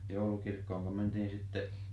joulukirkkoonko mentiin sitten